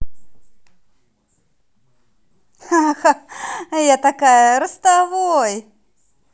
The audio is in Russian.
ахаха я такая ростовой